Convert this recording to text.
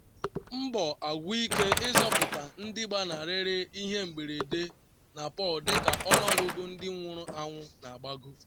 Mbọ agwụ ike ịzọpụta ndị gbanarịrị ihe mberede na Palu dịka ọnụọgụ ndị nwụrụ anwụ na-agbago